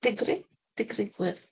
Digri, digrifwyr.